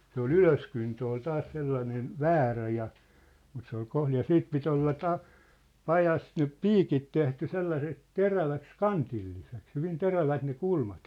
se oli ylöskyntö oli taas sellainen väärä ja mutta se oli kohdin ja siitä piti olla - pajassa nyt piikit tehty sellaiseksi teräväksi kantilliseksi hyvin terävät ne kulmat